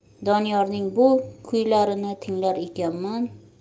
doniyorning bu kuylarini tinglar ekanman